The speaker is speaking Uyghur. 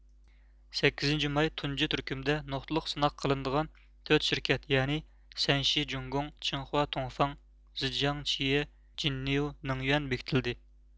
سەككىزىنچى ماي تۇنجى تۈركۈمدە نۇقتىلىق سىناق قىلىنىدىغان تۆت شىركەت يەنى سەنشى جوڭگوڭ چىڭخۇا توڭفاڭ زىجياڭ چيې جىننيۇۋ نېڭيۈەن بېكىتىلدى